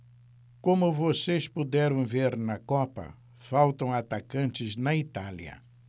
como vocês puderam ver na copa faltam atacantes na itália